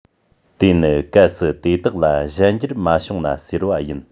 དེ ནི གལ སྲིད དེ དག ལ གཞན འགྱུར མ བྱུང ན ཟེར བ ཡིན